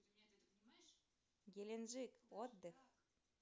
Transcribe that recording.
геленджик отдых